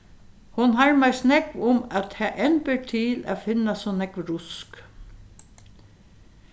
hon harmast nógv um at tað enn ber til at finna so nógv rusk